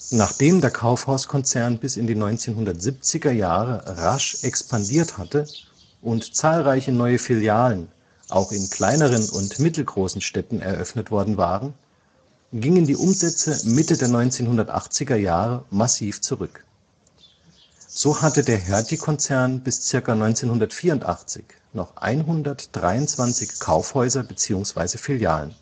Nachdem der Kaufhaus-Konzern bis in die 1970er-Jahre rasch expandiert hatte und zahlreiche neue Filialen, auch in kleineren und mittelgroßen Städten eröffnet worden waren, gingen die Umsätze Mitte der 1980er-Jahre massiv zurück. So hatte der Hertie-Konzern bis ca. 1984 noch 123 Kaufhäuser bzw. Filialen